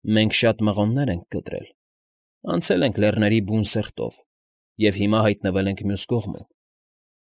Մենք շատ մղոններ ենք կտրել, անցել ենք լեռների բուն սրտով և հիմա հայտնվել ենք մյուս կողմում։